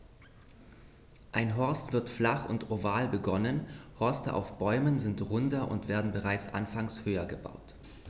Ein Horst wird flach und oval begonnen, Horste auf Bäumen sind runder und werden bereits anfangs höher gebaut.